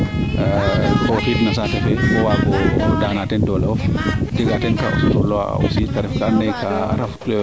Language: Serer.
xooxid no saate fe pour o saago daana teen doole of o jega teen kaa o sutur looxa aussi te ref kaa ando naye kaa raamb